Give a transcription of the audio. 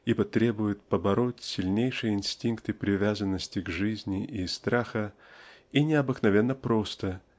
ибо требует побороть сильнейшие инстинкты привязанности к жизни и страха и необыкновенно просто